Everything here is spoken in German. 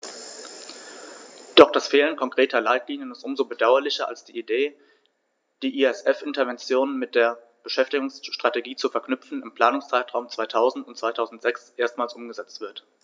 Doch das Fehlen konkreter Leitlinien ist um so bedauerlicher, als die Idee, die ESF-Interventionen mit der Beschäftigungsstrategie zu verknüpfen, im Planungszeitraum 2000-2006 erstmals umgesetzt wird.